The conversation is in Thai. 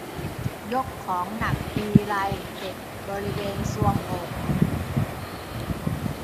ยกของหนักทีไรเจ็บบริเวณทรวงอก